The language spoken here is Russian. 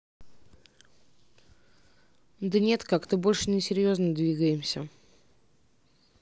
да нет как то больше несерьезно двигаемся